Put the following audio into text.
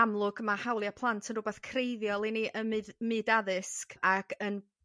amlwg ma' hawlia' plant yn r'wbath creiddiol i ni ym myd myd addysg ag yn